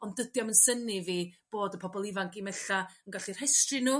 ond dydi o'm yn synnu fi bod y pobol ifanc 'im ella'n gallu rhestru n'w